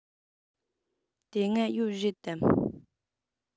དེ སྔ ཡོད རེད དམ